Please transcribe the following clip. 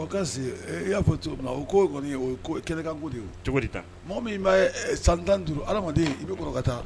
I y'a fɔ to min minna o ko kɔniɔni kɛnɛkanko de cogodi ta mɔgɔ min' san tan duuru adamaden i bɛ kɔrɔkata